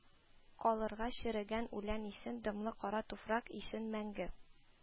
Калырга, черегән үлән исен, дымлы кара туфрак исен мәңге